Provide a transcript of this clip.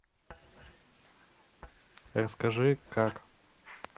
расскажи как